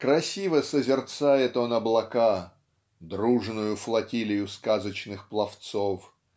Красиво созерцает он облака, "дружную флотилию сказочных пловцов"